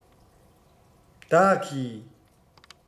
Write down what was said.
བདག གིས